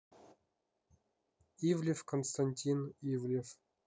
ивлев константин ивлев